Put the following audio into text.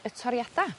y toriada